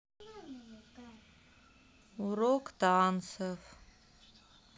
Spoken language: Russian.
урок танцев